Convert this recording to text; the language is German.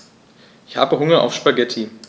Ich habe Hunger auf Spaghetti.